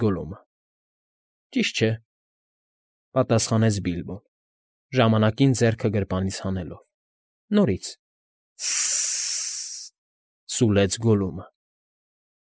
Գոլլումը։ ֊ Ճիշտ չէ,֊ պատասխանեց Բիլբոն՝ ժամանակին ձեռքը գրնապից հանելով։ ֊ Նորից… ֊ Ս֊ս֊ս,֊ սուլեց Գոլլումը։